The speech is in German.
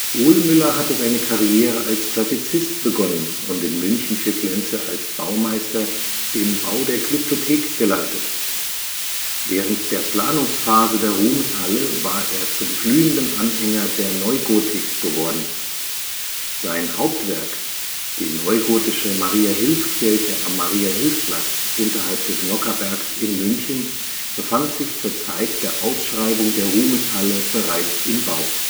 Ohlmüller hatte seine Karriere als Klassizist begonnen und in München für Klenze als Baumeister den Bau der Glyptothek geleitet. Während der Planungsphase der Ruhmeshalle war er zum glühenden Anhänger der Neugotik geworden. Sein Hauptwerk, die neugotische Mariahilfkirche am Mariahilfplatz unterhalb des Nockherbergs in München befand sich zur Zeit der Ausschreibung der Ruhmeshalle bereits im Bau